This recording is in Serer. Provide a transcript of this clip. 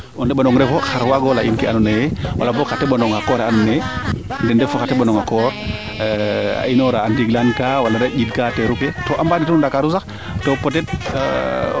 o neɓanong refo xar waago leya in ke ando naye wala boog xa teɓanong xa kooraxe ando naye den ndefu xa teɓanong xa koor a inoora a ndiing laan ka wala a ndeta teeru ke to a mba ndet Ndakarou saxto peut etre